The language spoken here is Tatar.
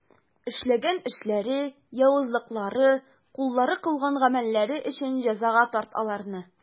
Эшләгән эшләре, явызлыклары, куллары кылган гамәлләре өчен җәзага тарт аларны.